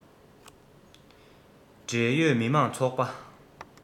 འབྲེལ ཡོད མི དམངས ཚོགས པ